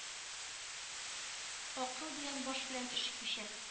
Акыл белән баш белән эш итүчән